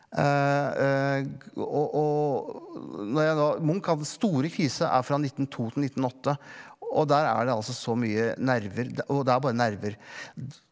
og og når jeg nå Munch hadde store krise er fra 1902 til 1908 og der er det altså så mye nerver og det er bare nerver.